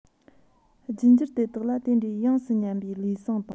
རྒྱུད འགྱུར དེ དག ལ དེ འདྲའི ཡོངས སུ མཉམ པའི ལུས ཟུངས དང